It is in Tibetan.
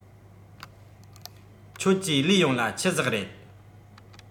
ཁྱོད ཀྱིས ལུས ཡོངས ལ ཆུ ཟེགས རེད